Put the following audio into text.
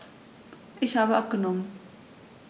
Ich habe abgenommen.